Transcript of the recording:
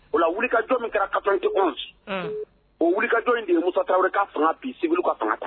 O la wulikajɔ min kɛra ka tɔn tɛ kɔnɔ o wulikajɔ in demusota ka fanga bi sigi ka fanga